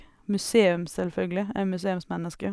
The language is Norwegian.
Museum, selvfølgelig, jeg er museumsmenneske.